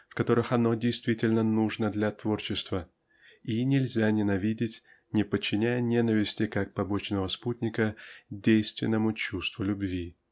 в которых оно действительно нужно для творчества и нельзя ненавидеть не подчиняя ненависти как побочного спутника действенному чувству любви.